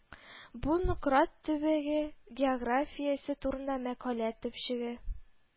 Бу Нократ төбәге географиясе турында мәкалә төпчеге